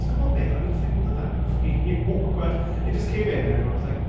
Ti'n gwybod be o'n ni'n ffeindio fe'n like rili awkward. They just came in and everyone was like...